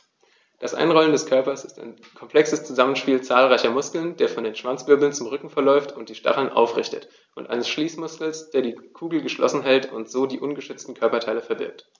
Das Einrollen des Körpers ist ein komplexes Zusammenspiel zahlreicher Muskeln, der von den Schwanzwirbeln zum Rücken verläuft und die Stacheln aufrichtet, und eines Schließmuskels, der die Kugel geschlossen hält und so die ungeschützten Körperteile verbirgt.